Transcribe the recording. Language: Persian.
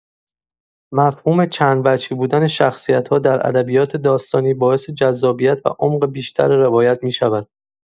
مفهوم چندوجهی بودن شخصیت‌ها در ادبیات داستانی باعث جذابیت و عمق بیشتر روایت می‌شود.